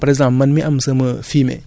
dosage beeg yépp a *